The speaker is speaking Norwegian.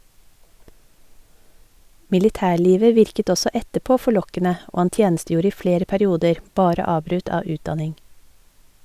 Militærlivet virket også etterpå forlokkende, og han tjenestegjorde i flere perioder, bare avbrutt av utdanning.